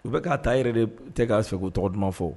U bɛ ka taa yɛrɛ de tɛ k'a fɛ tɔgɔ duman fɔ